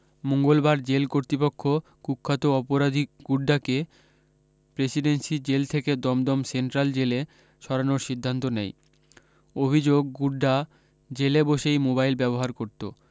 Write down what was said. মঙ্গলবার জেল কর্তৃপক্ষ কুখ্যাত অপরাধী গুড্ডাকে প্রেসিডেন্সি জেল থেকে দমদম সেন্ট্রাল জেলে সরানোর সিদ্ধান্ত নেয় অভি্যোগ গুড্ডা জেলে বসেই মোবাইল ব্যবহার করত